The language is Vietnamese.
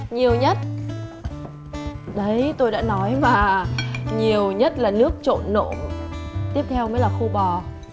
nhiều nhất đấy tôi đã nói mà nhiều nhất là nước trộn nộm tiếp theo mới là khô bò